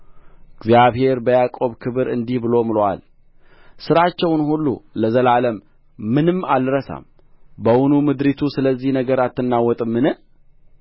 እግዚአብሔር በያዕቆብ ክብር እንዲህ ብሎ ምሎአል ሥራቸውን ሁሉ ለዘላለም ምንም አልረሳም በውኑ ምድሪቱ ስለዚህ ነገር አትናወጥምን